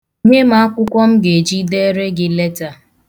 Nye m akwụkwọ m ga-eji dere gị leta.